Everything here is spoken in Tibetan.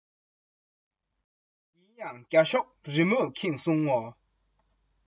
ཉན དང མ ཉན སོ སོའི བསམ བློ རེད